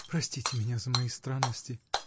Простите меня за мои странности.